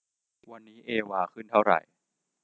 วันนี้เอวาขึ้นเท่าไหร่